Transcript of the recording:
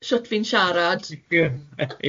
Shwt fi'n sharad .